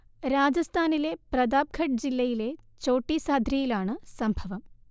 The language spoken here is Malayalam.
രാജസ്ഥാനിലെ പ്രതാപ്ഖഡ് ജില്ലയിലെ ഛോട്ടി സാദ്രിയിലാണ് സംഭവം